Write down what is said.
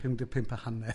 Pumdeg pump a hanner.